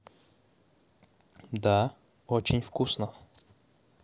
да очень вкусно